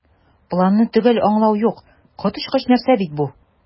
"планны төгәл аңлау юк, коточкыч нәрсә бит бу!"